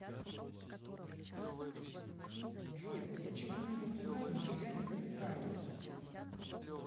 джой а почему мои попугаи нифига не затыкаются